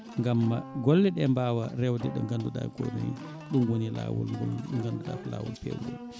gaam golle ɗe mbawa rewde ɗo ganuɗa koni ɗum woni lawol ngol ganduɗa ko lawol pewgol